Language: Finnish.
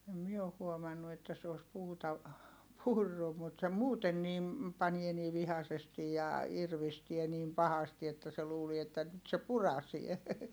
en minä ole huomannut että se olisi puuta purrut mutta se muuten niin panee niin vihaisesti ja irvistää niin pahasti että se luulee että nyt se puraisee